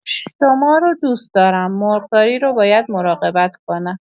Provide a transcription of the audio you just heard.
شما رو دوست دارم، مرغداری رو باید مراقبت کنم.